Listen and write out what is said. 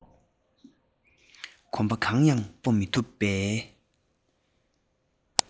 གོམ པ གང ཡང སྤོ མི ཐུབ པར